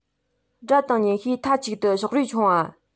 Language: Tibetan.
དགྲ དང གཉེན བཤེས མཐའ གཅིག ཏུ ཕྱོགས རིས ཆུང བ